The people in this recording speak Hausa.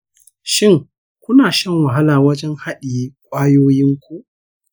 shin, kuna shan wahala wajen haɗiye ƙwayoyin ku?